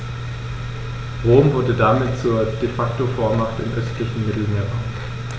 Rom wurde damit zur ‚De-Facto-Vormacht‘ im östlichen Mittelmeerraum.